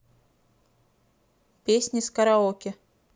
песни с караоке